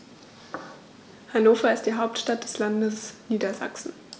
Hannover ist die Hauptstadt des Landes Niedersachsen.